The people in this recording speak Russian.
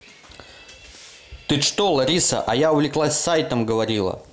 ты что лариса а я увлеклась сайтом говорила